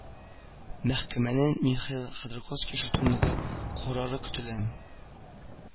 Мәхкәмәнең Михаил Ходорковский эше турындагы карары көтелә